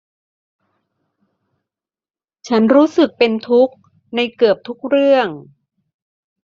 ฉันรู้สึกเป็นทุกข์ในเกือบทุกเรื่อง